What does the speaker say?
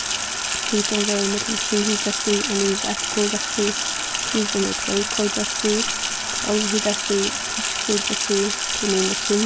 hitin verður verður millum trý hitastig og niður í eitt kuldastig hitin er tvey kuldastig tólv hitastig tíggju kuldastig tað eru minus fimm